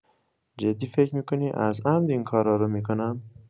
جدی فکر می‌کنی از عمد این کارا رو می‌کنم؟